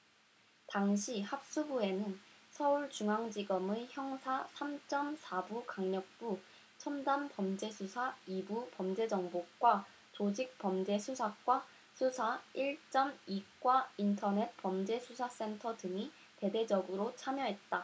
당시 합수부에는 서울중앙지검의 형사 삼 쩜 사 부 강력부 첨단범죄수사 이 부 범죄정보과 조직범죄수사과 수사 일 쩜 이 과 인터넷범죄수사센터 등이 대대적으로 참여했다